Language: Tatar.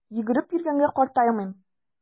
Йөгереп йөргәнгә картаймыйм!